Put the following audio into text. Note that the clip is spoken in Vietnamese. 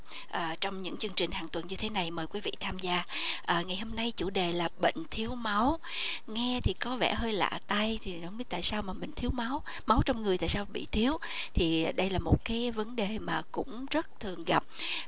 ờ trong những chương trình hàng tuần như thế này mời quý vị tham gia ờ ngày hôm nay chủ đề là bệnh thiếu máu nghe thì có vẻ hơi lạ tai thì không biết tại sao mà mình thiếu máu máu trong người tại sao bị thiếu thì ờ đây là một cái vấn đề mà cũng rất thường gặp